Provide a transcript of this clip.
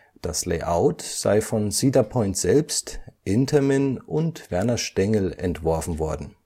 Das Layout sei von Cedar Point selbst, Intamin und Werner Stengel entworfen worden